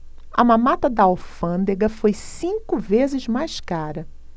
a mamata da alfândega foi cinco vezes mais cara